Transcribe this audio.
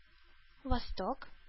Восток